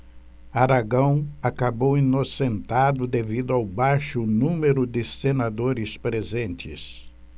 aragão acabou inocentado devido ao baixo número de senadores presentes